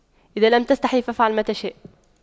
اذا لم تستحي فأفعل ما تشاء